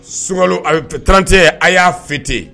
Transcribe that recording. Soka trante ye a y'a fi ten